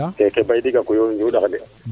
keke Baidi Gakou yo o Ndioundax